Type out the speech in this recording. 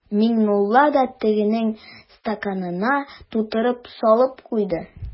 Миңнулла да тегенең стаканына тутырып салып куйды.